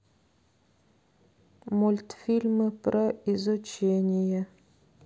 мультфильмы про изучение